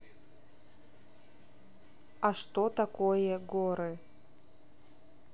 а что такое горы